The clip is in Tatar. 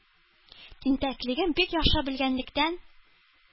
Тинтәклеген бик яхшы белгәнлектән,